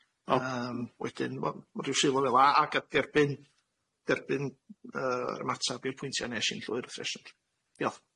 Ond-...Yym... Wedyn mon- mond ryw sylw fel'a a ag derbyn derbyn yy yr ymatab i'r pwyntia' nes i'n llwyr wrth reswm lly. Diolch.